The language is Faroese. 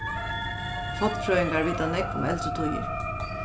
fornfrøðingar vita nógv um eldri tíðir